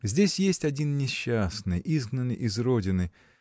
Здесь есть один несчастный, изгнанный из родины.